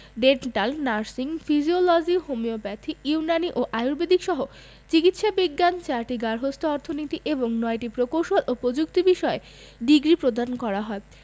dental nursing physiology homeopathy Unani ও আর্য়ুবেদিকসহ চিকিৎসা বিজ্ঞান ৪টি গার্হস্থ্য অর্থনীতি এবং ৯টি প্রকৌশল ও প্রযুক্তি বিষয়ে ডিগ্রি প্রদান করা হয়